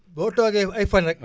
boo toogee ba ay fan rekk